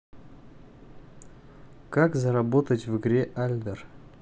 как заработать в игре альдер